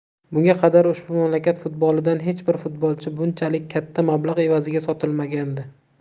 bunga qadar ushbu mamlakat futbolidan hech bir futbolchi bunchalik katta mablag' evaziga sotilmagandi